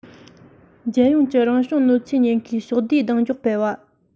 རྒྱལ ཡོངས ཀྱི རང བྱུང གནོད སྐྱོན ཉེན ཁའི ཕྱོགས བསྡུས གདེང འཇོག སྤེལ བ